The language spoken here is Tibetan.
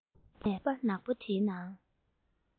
སྒོ ནས ཕོར པ ནག པོ དེའི ནང